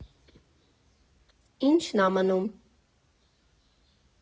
Ի՞նչն ա մնում։